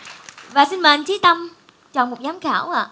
và xin mời anh chí tâm chọn một giám khảo ạ